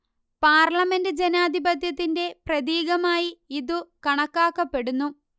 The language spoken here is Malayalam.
പാർലമെന്റ് ജനാധിപത്യത്തിന്റെ പ്രതീകമായി ഇതു കണക്കാക്കപ്പെടുന്നു